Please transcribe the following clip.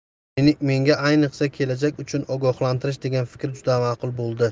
menga ayniqsa kelajak uchun ogohlantirish degan fikr juda ma'qul bo'ldi